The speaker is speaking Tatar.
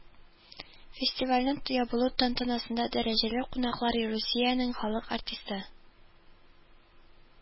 Фестивальнең тыябылу тантанасында дәрҗәле кунаклар Русиянең халык артисты